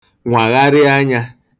nwàgharị anyā